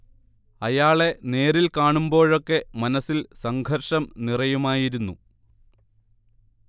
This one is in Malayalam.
അയാളെ നേരിൽ കാണുമ്പോഴൊക്കെ മനസ്സിൽ സംഘര്ഷം നിറയുമായിരുന്നു